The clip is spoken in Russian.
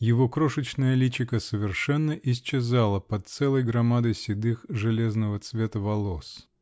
Его крошечное личико совершенно исчезало под целой громадой седых, железного цвета волос.